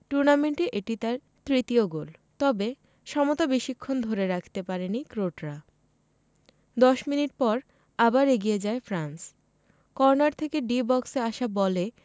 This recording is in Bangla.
টুর্নামেন্টে এটি তার তৃতীয় গোল তবে সমতা বেশিক্ষণ ধরে রাখতে পারেনি ক্রোটরা ১০ মিনিট পর আবার এগিয়ে যায় ফ্রান্স কর্নার থেকে ডি বক্সে আসা বলে